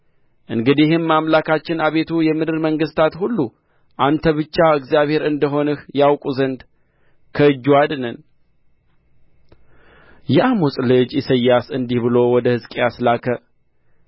እንግዲህም አምላካችን አቤቱ የምድር መንግሥታት ሁሉ አንተ ብቻ እግዚአብሔር እንደ ሆንህ ያውቁ ዘንድ ከእጁ አድነን የአሞጽ ልጅ ኢሳይያስ እንዲህ ብሎ ወደ ሕዝቅያስ ላከ